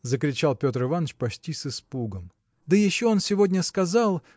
– закричал Петр Иваныч почти с испугом. – Да еще он сегодня сказал